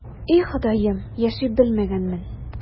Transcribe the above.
И, Ходаем, яши белмәгәнмен...